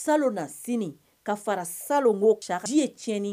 Salonnasini ka fara saloŋo cia ka ji ye tiɲɛni